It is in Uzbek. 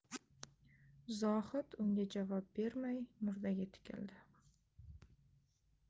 zohid unga javob bermay murdaga tikildi